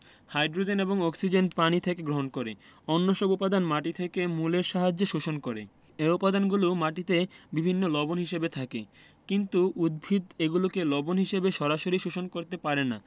hydrogen এবং oxygen পানি থেকে গ্রহণ করে অন্যসব উপাদান মাটি থেকে মূলের সাহায্যে শোষণ করে এ উপাদানগুলো মাটিতে বিভিন্ন লবণ হিসেবে থাকে কিন্তু উদ্ভিদ এগুলোকে লবণ হিসেবে সরাসরি শোষণ করতে পারে না